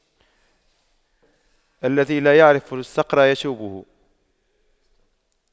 الذي لا يعرف الصقر يشويه